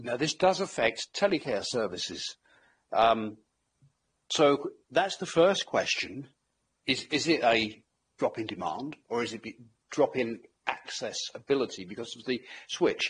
No, this does affect telecare services, so that's the first question, is it a drop in demand or is it drop in access-ability because of the switch?